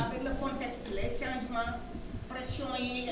avec le contexte les changements pressions yi